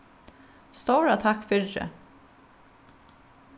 stóra takk fyri